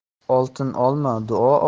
oltin olma duo